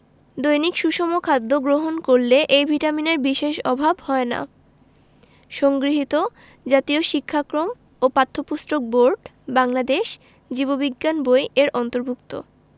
দৈনিক সুষম খাদ্য গ্রহণ করলে এই ভিটামিনের বিশেষ অভাব হয় না সংগৃহীত জাতীয় শিক্ষাক্রম ও পাঠ্যপুস্তক বোর্ড বাংলাদেশ জীব বিজ্ঞান বই এর অন্তর্ভুক্ত